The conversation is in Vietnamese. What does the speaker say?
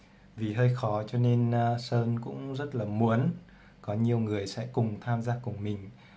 vì hơi khó nên sơn muốn có nhiều người sẽ tham gia cùng mình